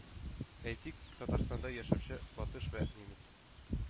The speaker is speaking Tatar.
Әйтик, Татарстанда яшәүче латыш вә немец,